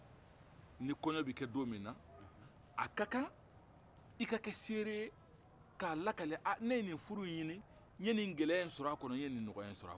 ni kɔɲɔ bɛ kɛ don min na a ka kan i ka kɛ seere ka lakale